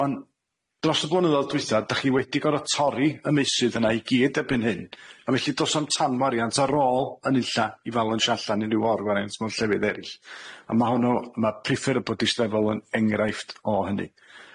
'Wan dros y blynyddodd dwytha 'dach chi wedi goro torri y meysydd yna i gyd erbyn hyn, a felly do's nam tanwariant ar ôl yn ulla i falansio allan unryw o'r wariant mewn llefydd eryll, a ma' honno ma' pri ffyrdd y bodistafol yn enghraifft o hynny.